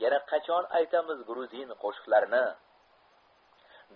yana qachon aytamiz gmzin qo'shiqlarini